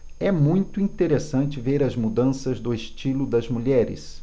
é muito interessante ver as mudanças do estilo das mulheres